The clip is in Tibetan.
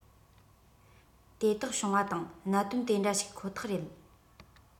དེ དག བྱུང བ དང གནད དོན དེ འདྲ ཞིག ཁོ ཐག རེད